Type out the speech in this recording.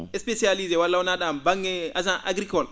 spécialisé walla wonaa ?um han ba?nge agent agricol